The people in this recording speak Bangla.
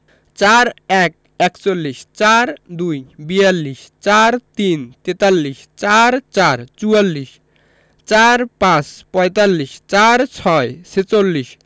৪১ একচল্লিশ ৪২ বিয়াল্লিশ ৪৩ তেতাল্লিশ ৪৪ চুয়াল্লিশ ৪৫ পঁয়তাল্লিশ ৪৬ ছেচল্লিশ